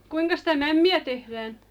kuinka sitä mämmiä tehdään